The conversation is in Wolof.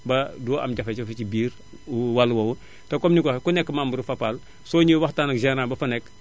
ba doo am jafe-jafe si biir wàll boobu te comme ni nga ko waxee ku nekk membre Fapal soo ñëwee waxtaan ak gérant ba fa nekk